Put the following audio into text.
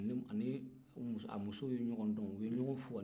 a n'a musow ye ɲɔgɔndon u ye ɲɔgɔn fo